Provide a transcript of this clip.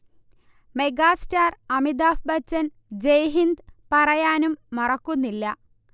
megastar Amitabh Bachchan Jai Hind പറയാനും മറക്കുന്നില്ല